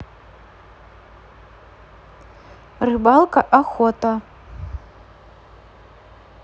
рыбалка охота